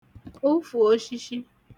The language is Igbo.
ufhùoshishi